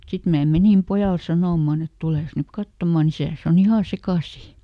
sitten minä menin pojalle sanomaan että tules nyt katsomaan isäsi on ihan sekaisin